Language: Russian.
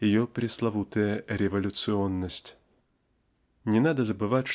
ее пресловутая "революционность". Не надо забывать